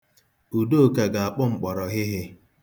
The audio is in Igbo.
Udoka ga-akpọ mkpọrọhịhị